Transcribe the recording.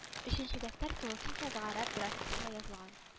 Өченче дәфтәр тулысынча гарәп графикасында язылган